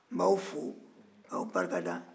k 'aw fo k'aw barika da